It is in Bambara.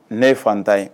Ne ye fatan ye